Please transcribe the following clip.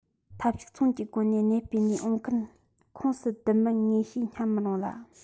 ཐབས གཅིག མཚུངས ཀྱི སྒོ ནས གནས སྤོས ནས འོངས མཁན ཁོངས སུ བསྡུ མི ངེས ཞེས སྙམ མི རུང ལ